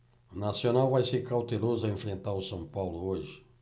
o nacional vai ser cauteloso ao enfrentar o são paulo hoje